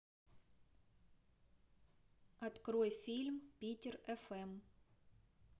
открой фильм питер фм